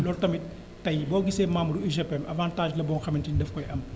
loolu tamit tey boo gisee membre u UGPM avantage la boo nga xamante ni daf koy am